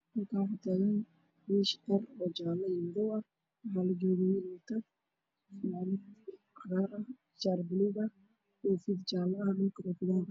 Halkaan waxaa taagan wiish oo jaale iyo madow ah, waxaa lajoogo wiil wato fanaanad cagaar ah, shaar buluug, koofi jaale ah dhulka uu yaalo waa cadaan.